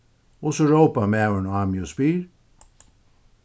og so rópar maðurin á meg og spyr